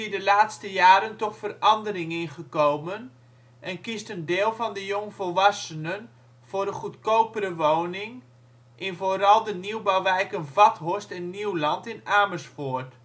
de laatste jaren toch verandering in gekomen en kiest een deel van de jong volwassenen voor een goedkopere woning in vooral de nieuwbouwwijken Vathorst en Nieuwland in Amersfoort